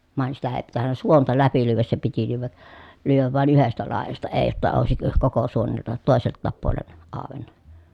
vain sitä ei pitänyt suonta läpi lyödä se piti lyödä lyödä vain yhdestä laidasta ei jotta olisi koko suonelta toiseltakin puolen auennut